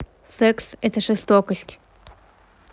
секс это жестокость